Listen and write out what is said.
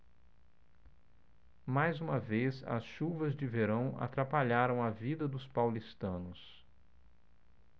mais uma vez as chuvas de verão atrapalharam a vida dos paulistanos